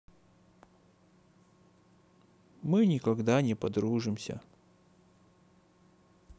мы никогда не подружимся